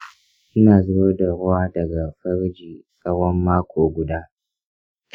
ina zubar da ruwa daga farji tsawon mako guda.